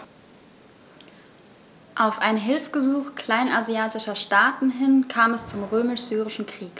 Auf ein Hilfegesuch kleinasiatischer Staaten hin kam es zum Römisch-Syrischen Krieg.